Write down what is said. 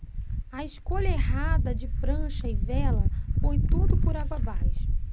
a escolha errada de prancha e vela põe tudo por água abaixo